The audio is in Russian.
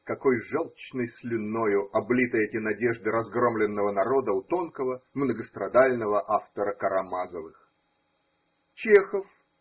какой желчной слюною облиты эти надежды разгромленного народа у тонкого, многострадального автора Карамазовых. Чехов?